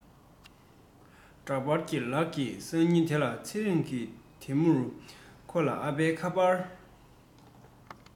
འདྲ པར གྱི ལག གི སང ཉིན དེ ལ ཚེ རིང གི དེ མྱུར ཁོ ལ ཨ ཕའི ཁ པར